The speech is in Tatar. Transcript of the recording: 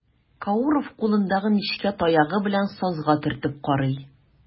Кауров кулындагы нечкә таягы белән сазга төртеп карый.